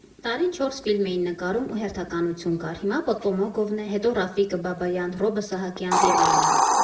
Տարին չորս ֆիլմ էին նկարում ու հերթականություն կար՝ հիմա Պոդպոմոգովն է, հետո՝ Ռաֆիկը Բաբայան, Ռոբը Սահակյանց և այլն։